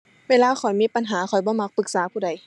เวลาข้อยมีปัญหา ข้อยบ่มักปรึกษาผู้ใด